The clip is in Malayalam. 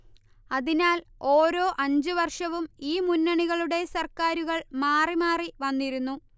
അതിനാൽ ഓരോ അഞ്ച് വർഷവും ഈ മുന്നണികളുടെ സർക്കാരുകൾ മാറി മാറി വന്നിരുന്നു